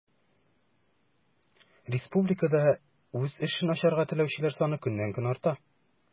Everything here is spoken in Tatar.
Республикада үз эшен ачарга теләүчеләр саны көннән-көн арта.